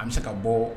An bɛ se ka bɔ